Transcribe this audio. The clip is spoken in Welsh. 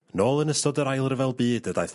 Nôl yn ystod yr ail ryfel byd y daeth...